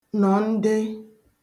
nọ̀nde